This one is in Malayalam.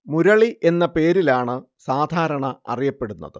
മുരളി എന്ന പേരിലാണ് സാധാരണ അറിയപ്പെടുന്നത്